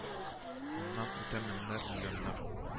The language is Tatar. Аннан үтә меңнәр, миллионнар